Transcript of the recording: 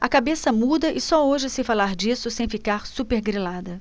a cabeça muda e só hoje sei falar disso sem ficar supergrilada